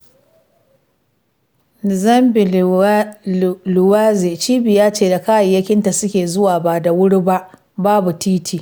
#Mzimba Luwelezi cibiya ce da kayayyakinta suke zuwa ba da wuri ba - babu titi.